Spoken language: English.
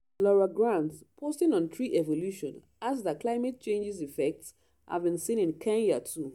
Laura Grant, posting on Treevolution, adds that climate change's effects have been seen in Kenya too.